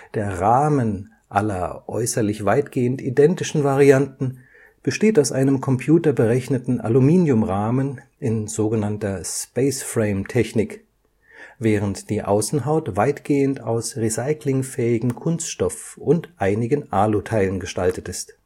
Der Rahmen aller äußerlich weitgehend identischen Varianten besteht aus einem computerberechneten Aluminiumrahmen in sogenannter „ space frame “- Technik, während die Außenhaut weitgehend aus recyclingfähigem Kunststoff und einigen Alu-Teilen gestaltet ist